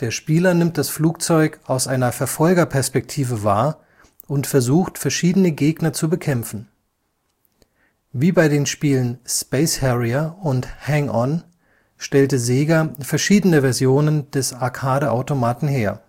Spieler nimmt das Flugzeug aus einer Verfolgerperspektive wahr und versucht verschiedene Gegner zu bekämpfen. Wie bei den Spielen Space Harrier und Hang-On stellte Sega verschiedene Versionen des Arcade-Automaten her